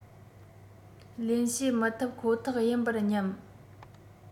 ལེན བྱེད མི ཐུབ ཁོ ཐག ཡིན པར སྙམ